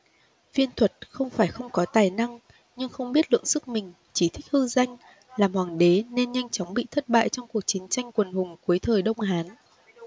viên thuật không phải không có tài năng nhưng không biết lượng sức mình chỉ thích hư danh làm hoàng đế nên nhanh chóng bị thất bại trong cuộc chiến tranh quần hùng cuối thời đông hán